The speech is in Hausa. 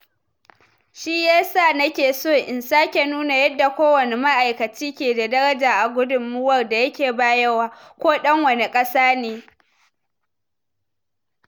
Shi ya sa nake so in sake nuna yadda kowane ma’aikaci ke da daraja a gudunmawar da yake bayarwa, ko ɗan wane ƙasa ne.